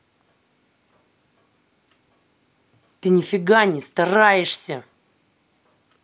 ты нифига не стараешься